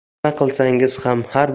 nima qilsangiz ham har